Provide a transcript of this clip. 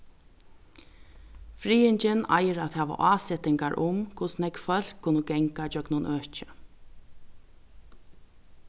friðingin eigur at hava ásetingar um hvussu nógv fólk kunnu ganga gjøgnum økið